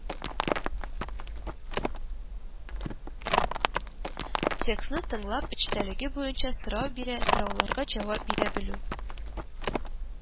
Текстны тыңлап, эчтəлеге буенча сорау бирə, сорауларга җавап бирə белү;